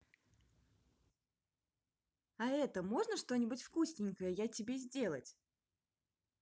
а это можно что нибудь вкусненькое я тебе сделать